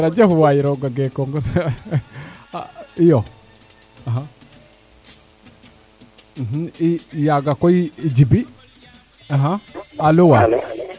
jerejef waay rooga geekong iyo i yaaga koy Djiby alo wa